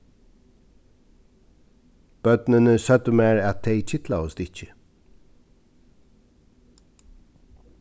børnini søgdu mær at tey kitlaðust ikki